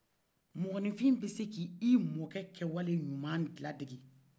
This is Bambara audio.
mɔgɔ nin fin be se k'i mɔgɔ kɛ wale ɲuman ladeke